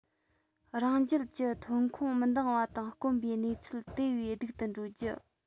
རང རྒྱལ གྱི ཐོན ཁུངས མི འདང བ དང དཀོན པའི གནས ཚུལ དེ བས སྡུག ཏུ འགྲོ རྒྱུ